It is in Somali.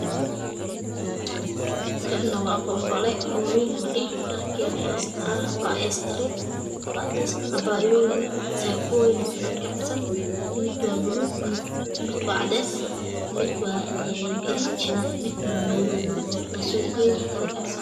Kana waa poonpale oo loogaliyi dharkeeni eestaraha ah wa estare capaayooyin saakooyin kala kacsan mid waa paluug mid waa cadees mid waa galiji midna wa madow wa sakoyin kala kacsan